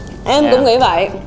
em cũng nghĩ vậy